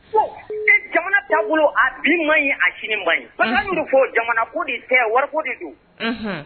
Jamana tan bolo a bi man ɲi a siniinin man ye ba fɔ jamana ko de tɛ wari de